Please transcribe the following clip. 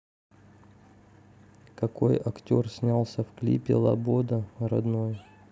какой актер снялся в клипе loboda родной